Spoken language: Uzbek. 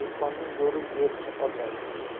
dehqonning zo'ri yer ochar